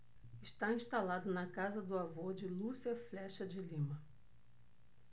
está instalado na casa do avô de lúcia flexa de lima